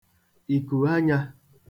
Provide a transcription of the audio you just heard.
ìkùanyā